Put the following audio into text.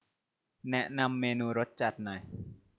แนะนำเมนูรสจัดหน่อย